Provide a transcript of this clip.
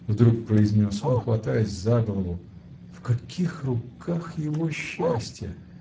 — вдруг произнес он, хватаясь за голову, — в каких руках его счастье!